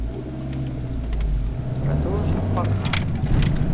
продолжим пока